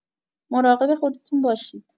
مراقب خودتون باشید!